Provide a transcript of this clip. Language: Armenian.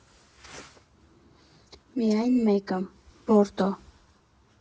Միայն մեկը՝ բորդո։